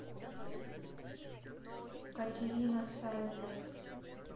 катерина сайбер